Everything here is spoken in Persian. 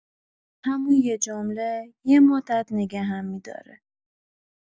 همون یه جمله، یه مدت نگه‌م می‌داره.